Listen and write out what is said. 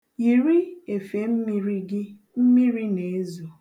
Yiri efemmiri gị, mmiri na ezo